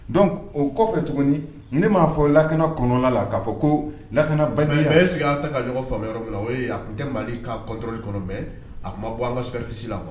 Don o kɔfɛ tuguni ne m'a fɔ lakana kɔnɔnla la k'a fɔ ko lakana a ye sigi a ta ka ɲɔgɔn faamuya yɔrɔ minna o a tun tɛ mali katɔli kɔnɔ mɛn a ma bɔ an ka sɛbɛnfisi la kuwa